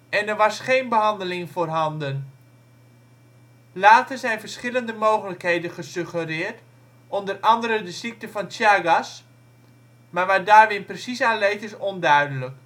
en er was geen behandeling voorhanden. Later zijn verschillende mogelijkheden gesuggereerd, onder andere de ziekte van Chagas, maar waar Darwin precies aan leed is onduidelijk